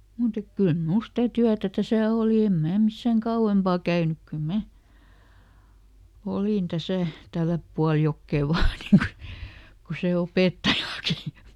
mutta että kyllä minulla sitä työtä tässä oli en minä missään kauempaa käynyt kyllä minä olin tässä tällä puolella jokea vain niin kuin kuin se opettajakin